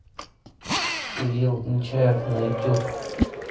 кирилл нечаев на ютуб